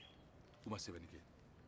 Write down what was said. u ma sɛbɛnni kɛ